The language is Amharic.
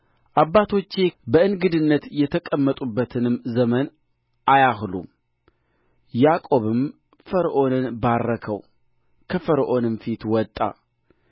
አባቶቼ በእንግድነት የተቀመጡበትንም ዘመን አያህሉም ያዕቆብም ፈርዖንን ባረከው ከፈርዖንም ፊት ወጣ